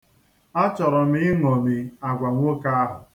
A chọ̇rọ̇ m iṅomi agwa nwoke ahụ.